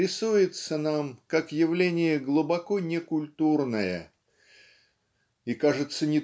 рисуется нам как явление глубоко некультурное. И кажется